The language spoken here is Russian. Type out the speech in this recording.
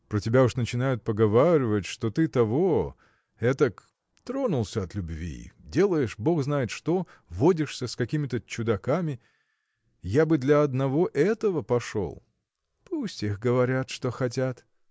– Про тебя уж начинают поговаривать, что ты того. этак. тронулся от любви делаешь бог знает что водишься с какими-то чудаками. Я бы для одного этого пошел. – Пусть их говорят, что хотят.